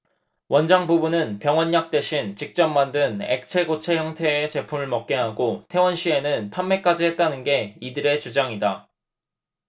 원장 부부는 병원 약 대신 직접 만든 액체 고체 형태의 제품을 먹게 하고 퇴원 시에는 판매까지 했다는 게 이들의 주장이다